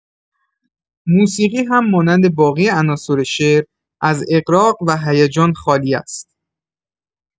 موسیقی هم مانند باقی عناصر شعر، از اغراق و هیجان خالی است.